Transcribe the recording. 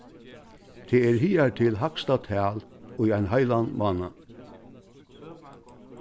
tað er higartil hægsta tal í ein heilan mánað